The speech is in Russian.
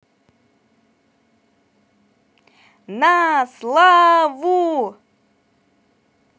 на славу